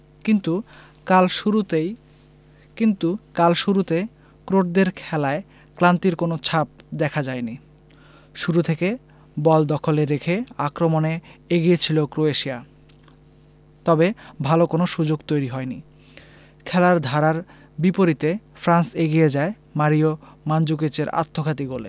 কিন্তু কাল শুরুতেই কিন্তু কাল শুরুতে ক্রোটদের খেলায় ক্লান্তির কোনো ছাপ দেখা যায়নি শুরু থেকে বল দখলে রেখে আক্রমণে এগিয়ে ছিল ক্রোয়েশিয়া তবে ভালো কোনো সুযোগ তৈরি হয়নি খেলার ধারার বিপরীতে ফ্রান্স এগিয়ে যায় মারিও মানজুকিচের আত্মঘাতী গোলে